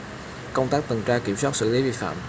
công tác tuần tra kiểm soát xử lý vi phạm